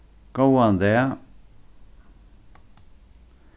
góðan dag